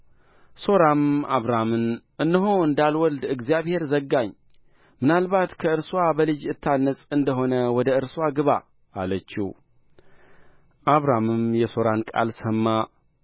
ሦራም አብራምን እነሆ እንዳልወልድ እግዚአብሔር ዘጋኝ ምናልባት ከእርስዋ በልጅ እታነጽ እንደ ሆነ ወደ እርስዋ ግባ አለችው አብራምም የሦራን ቃል ሰማ